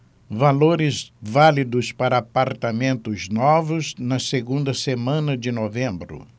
valores válidos para apartamentos novos na segunda semana de novembro